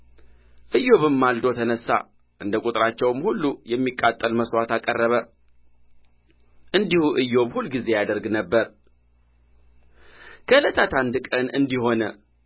ኢዮብም ማልዶ ተነሣ እንደ ቍጥራቸውም ሁሉ የሚቃጠል መሥዋዕት አቀረበ እንዲሁ ኢዮብ ሁልጊዜ ያደርግ ነበር ከዕለታት አንድ ቀን እንዲህ ሆነ